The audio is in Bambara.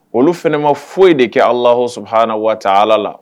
Olu fana ne ma foyi ye de kɛ alahɔ saba h na waati ala la